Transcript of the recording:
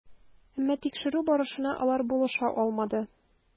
Әмма тикшерү барышына алар булыша алмады.